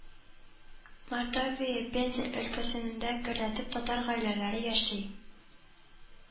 Мордовия, Пенза өлкәләсенендә гөрләтеп татар гаиләләре яши